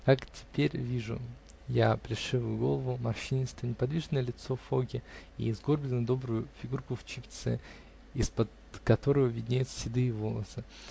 Как теперь вижу я плешивую голову, морщинистое неподвижное лицо Фоки и сгорбленную добрую фигурку в чепце, из-под которого виднеются седые волосы.